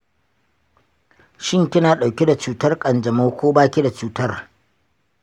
shin kina dauke da cutar kanjamau ko baki da cutar?